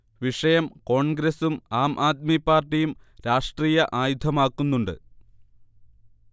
വിഷയം കോൺഗ്രസും ആംആദ്മി പാർട്ടിയും രാഷ്ട്രീയ ആയുധമാക്കുന്നുണ്ട്